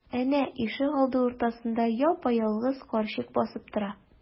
Әнә, ишегалды уртасында япа-ялгыз карчык басып тора.